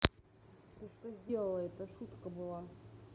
ты что сделал это шутка была